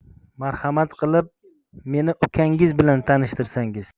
marhamat qilib meni ukanggiz bilan tanishtirsangiz